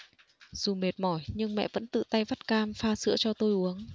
dù mệt mỏi nhưng mẹ vẫn tự tay vắt cam pha sữa cho tôi uống